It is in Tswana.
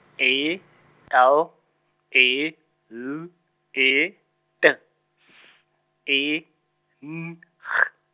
E, L, E, L, E, T, S, E, N, G.